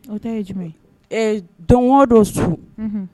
O ta ye jumɛn dɔn o dɔ su